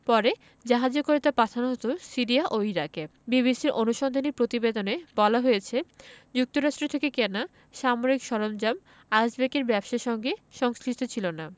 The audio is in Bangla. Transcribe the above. পরে জাহাজে করে তা পাঠানো হতো সিরিয়া ও ইরাকে বিবিসির অনুসন্ধানী প্রতিবেদনে বলা হয়েছে যুক্তরাষ্ট্র থেকে কেনা সামরিক সরঞ্জাম আইব্যাকসের ব্যবসার সঙ্গে সংশ্লিষ্ট ছিল না